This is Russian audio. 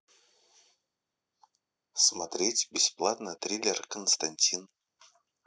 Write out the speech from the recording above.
смотреть бесплатно триллер константин